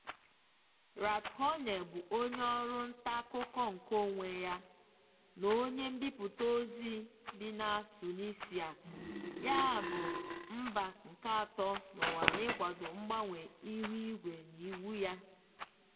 Radhouane bụ onye ọrụ nta akụkọ nke onwe na onye mbipụta ozi bi na Tunisia, ya bụ mba nke atọ n'ụwa n'ikwado mgbanwe ihu igwe na iwu ya.